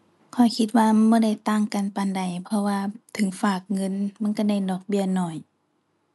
เพราะคิดว่ามันบ่ได้ต่างกันปานใด เพราะว่าถึงฝากเงินมันก็ได้ดอกเบี้ยน้อย